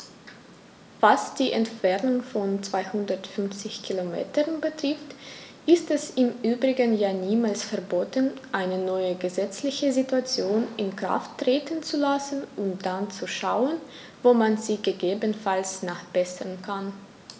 Was die Entfernung von 250 Kilometern betrifft, ist es im Übrigen ja niemals verboten, eine neue gesetzliche Situation in Kraft treten zu lassen und dann zu schauen, wo man sie gegebenenfalls nachbessern kann.